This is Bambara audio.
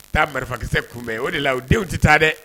Taa marifakisɛ kunbɛn o de la o denw tɛ taa dɛ